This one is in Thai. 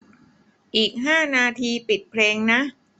อีกห้านาทีปิดเพลงนะ